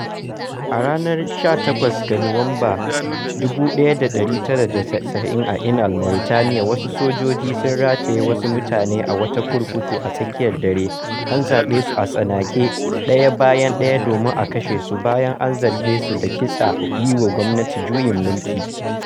A ranar 28 ga Nuwamban 1990 a Inal, Mauritaniya, wasu sojoji sun rataye wasu mutane a wata kurkuku a tsakiyar dare, an zaɓe su a tsanake ɗaya bayan ɗaya domin a kashe su, bayan an zarge su da kitsa yi wa gwamnati juyin mulki.